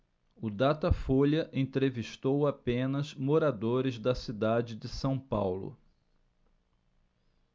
o datafolha entrevistou apenas moradores da cidade de são paulo